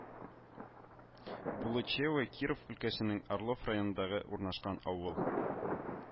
Булычевы Киров өлкәсенең Орлов районында урнашкан авыл